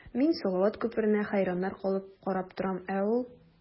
Мин салават күперенә хәйраннар калып карап торам, ә ул...